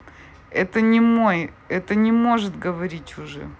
это не мой это не может говорить уже